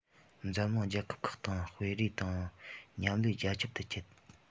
འཛམ གླིང རྒྱལ ཁབ ཁག དང སྤེལ རེས དང མཉམ ལས རྒྱ ཁྱབ ཏུ སྤེལ